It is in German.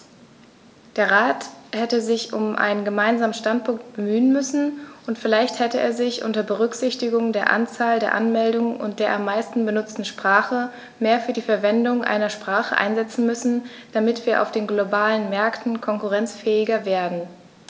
Der Rat hätte sich um einen gemeinsamen Standpunkt bemühen müssen, und vielleicht hätte er sich, unter Berücksichtigung der Anzahl der Anmeldungen und der am meisten benutzten Sprache, mehr für die Verwendung einer Sprache einsetzen müssen, damit wir auf den globalen Märkten konkurrenzfähiger werden.